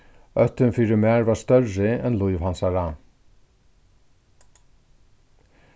óttin fyri mær var størri enn lív hansara